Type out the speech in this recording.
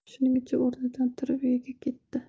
shuning uchun o'rnidan turib uyiga ketdi